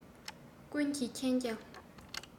ཀུན གྱིས མཁྱེན ཀྱང